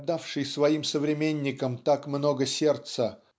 отдавший своим современникам так много сердца